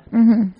Unhun